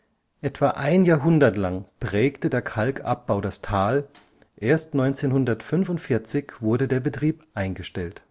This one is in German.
Etwa ein Jahrhundert lang prägte der Kalkabbau das Tal; erst 1945 wurde der Betrieb eingestellt